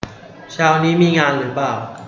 เช้านี้มีงานหรือเปล่า